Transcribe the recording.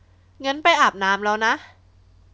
ไปอาบน้ำแล้วเนี่ย